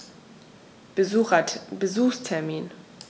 Besuchstermin